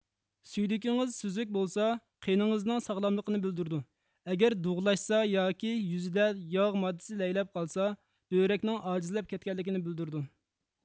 سۈيدۈكىڭىز سۈزۈك بولسا قېنىڭىزنىڭ ساغلاملىقنى بىلدۈرىدۇ ئەگەر دۇغلاشسا ياكى يۈزىدە ياغ ماددىسى لەيلەپ قالسا بۆرەكنىڭ ئاجىزلاپ كەتكەنلىكىنى بىلدۈرىدۇ